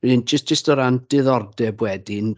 Wedyn jyst jyst o ran diddordeb wedyn...